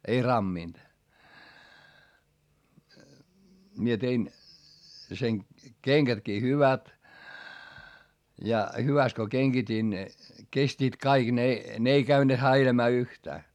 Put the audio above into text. minä tein sen kengätkin hyvät ja hyvästi kun kengitin kestivät kaikki ne ne ei käyneet häiläämään yhtään